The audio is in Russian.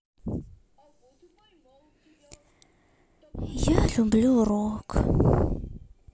я люблю рок